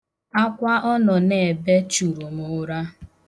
Akwa ọ nọ na-ebe churụ mụ ụra.